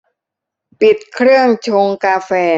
ปิดเครื่องชงกาแฟ